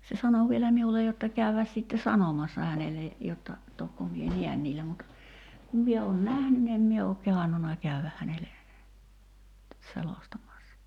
se sanoi vielä minulle jotta käydä sitten sanomassa hänelle jotta tokko minä näen niillä mutta kun minä olen nähnyt niin en minä ole kehdannut käydä hänelle selostamassa